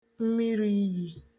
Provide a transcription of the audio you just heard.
mmiriyī